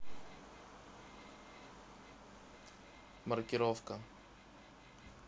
маркировка